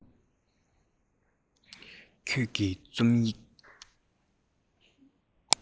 ཁྱོད ཀྱིས རྩོམ ཡིག